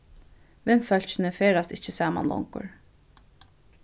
vinfólkini ferðast ikki saman longur